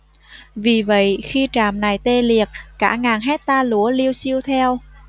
vì vậy khi trạm này tê liệt cả ngàn hecta lúa liêu xiêu theo